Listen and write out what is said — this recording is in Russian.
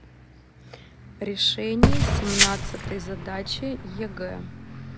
решение семнадцатой задачи егэ